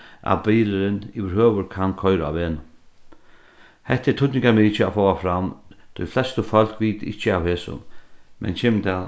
at bilurin yvirhøvur kann koyra á vegnum hetta er týdningarmikið at fáa fram tí flestu fólk vita ikki av hesum men kemur tað